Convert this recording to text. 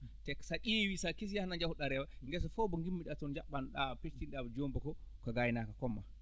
te ko so a ƴeewi sao kiisi tan dañƴaa to poɗɗa rewde gesa fof mba gimmmiɗa toon jabɓanɗaa pitidɗa ko joomum ko gaynaako comme aan